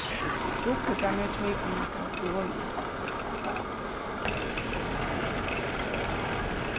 gubbi bað meg keypa nakað av togi